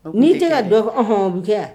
N'i tɛ ka dɔ fɔ an hɔn yan